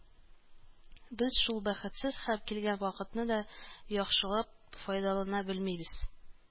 Без шул бәхетсез һәм килгән вакытны да яхшылап файдалана белмибез.